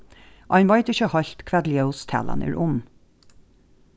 ein veit ikki heilt hvat ljós talan er um